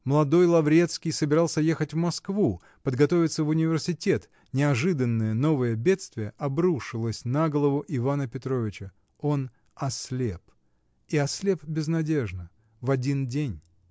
Молодой Лаврецкий собирался ехать в Москву, подготовиться в университет, -- неожиданное, новое бедствие обрушилось на голову Ивана Петровича: он ослеп, и ослеп безнадежно, в один день.